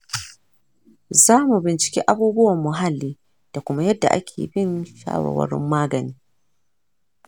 za mu binciki abubuwan muhalli da kuma yadda ake bin shawarwarin magani.